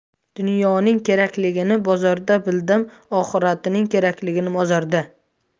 dunyoning kerakligini bozorda bildim oxiratning kerakligini mozorda